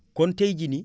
kon tey jii nii